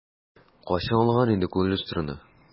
Кайчан алган идек ул люстраны?